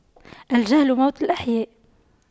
الجهل موت الأحياء